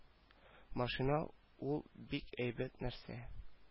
Машина ул бик әйбәт нәрсә